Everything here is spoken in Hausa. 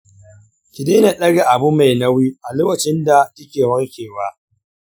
ki daina daga abu mai nauyi a lokacinda kike warkewa.